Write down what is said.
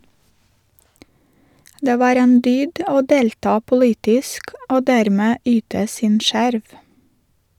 Det var en dyd å delta politisk å dermed yte sin skjerv.